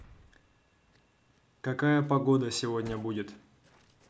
какая погода сегодня будет